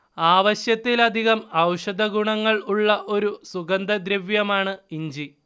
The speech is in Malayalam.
ആവശ്യത്തിലധികം ഔഷധഗുണങ്ങൾ ഉള്ള ഒരു സുഗന്ധദ്രവ്യമാണ് ഇഞ്ചി